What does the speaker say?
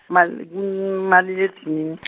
mal- kumaliledinini .